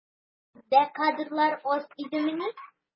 Үзебездә кадрлар аз идемени?